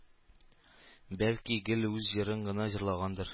Бәлки, гел үз җырын гына җырлагандыр